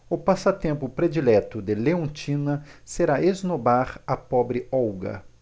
o passatempo predileto de leontina será esnobar a pobre olga